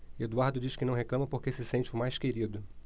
eduardo diz que não reclama porque se sente o mais querido